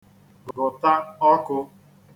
-gụ̀ta ọkụ̄